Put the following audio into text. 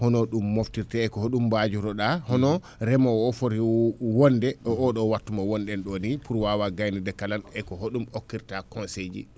hono ɗum moftirte ko hoɗum mbajotoɗa hono remowo o foti wonde e oɗo wattu mon wonɗe ɗo ni pour wawa gaynude kala eko hoɗum hokkirta conseil ji